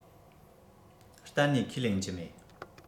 གཏན ནས ཁས ལེན གྱི མེད